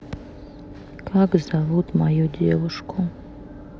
как зовут мою девушку